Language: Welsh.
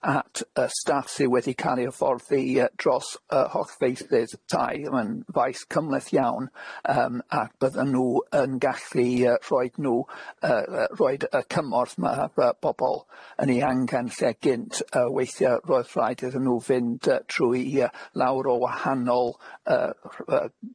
at yyy staff sy' wedi ca'l i' hyfforddi y- dros y- holl feisydd tai ma'n waith cymhleth iawn yym ac bydden nw yn gallu yyy rhoid nhw y- y- roid y cymorth ma' y- bobol yn ei angan lle gynt y- weithie' roedd rhaid iddyn nw fynd y- trwy y- lawr o wahanol yyy rh- y-